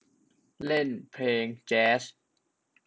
เล่นเพลงแจ๊ส